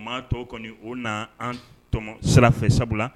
Maa tɔw kɔni u na an tɔmɔ sira fɛ sabula